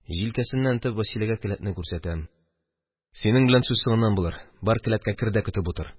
Җилкәсеннән этеп, Вәсиләгә келәтне күрсәтәм: – Синең белән сүз соңыннан булыр, бар, келәткә кер дә көтеп утыр